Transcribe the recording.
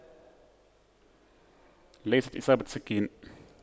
ليست اصابة سكين